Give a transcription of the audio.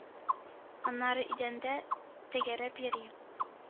Аннары идәндә тәгәрәп йөри...